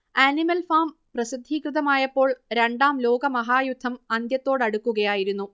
animal Farm പ്രസിദ്ധീകൃതമായപ്പോൾ രണ്ടാം ലോകമഹായുദ്ധം അന്ത്യത്തോടടുക്കുകയായിരുന്നു